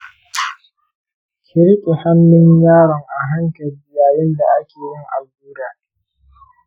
ki rike hanun yaron a hankali yayin da ake yin allurar